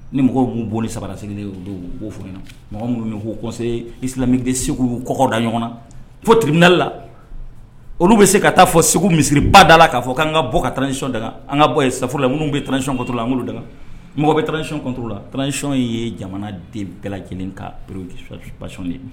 Ni mɔgɔw minnu' ni sabara sigilen o don u k'o fɔ mɔgɔ minnu ye ko kɔsela tɛ segu kɔda ɲɔgɔn na fo tibidalila olu bɛ se ka taa fɔ segu misiribada la' fɔ k'an ka bɔ kac daga an ka bɔ safola minnu bɛ tanrancɔnla an da mɔgɔ bɛ tanranctu la tancɔn ye ye jamana de bɛɛ lajɛlen kaere bac ye